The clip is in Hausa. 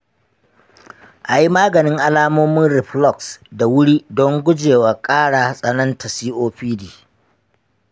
a yi maganin alamomin reflux da wuri don gujewa ƙara tsananta copd.